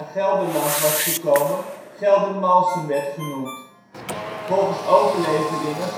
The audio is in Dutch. Gelderland was gekomen, Geldermalsen werd genoemd. Volgens overleveringen